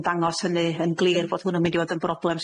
yn dangos hynny yn glir bod hwn yn mynd i fod yn broblem